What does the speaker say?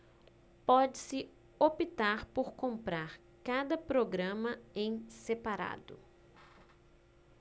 pode-se optar por comprar cada programa em separado